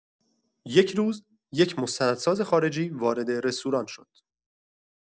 یک روز، یک مستندساز خارجی وارد رستوران شد.